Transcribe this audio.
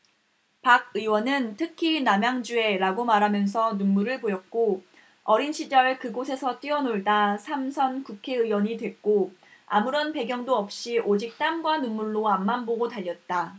박 의원은 특히 남양주에 라고 말하면서 눈물을 보였고 어린 시절 그곳에서 뛰어놀다 삼 선 국회의원이 됐고 아무런 배경도 없이 오직 땀과 눈물로 앞만 보고 달렸다